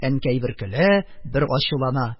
Әнкәй бер көлә, бер ачулана: